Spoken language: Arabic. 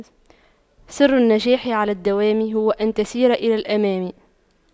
سر النجاح على الدوام هو أن تسير إلى الأمام